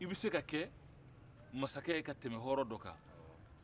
i bɛ se ka kɛ mansakɛ ye ka tɛmɛ hɔrɔn dɔ kan